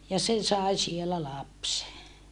ja se sai siellä lapsen